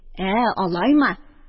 Ә алаймы?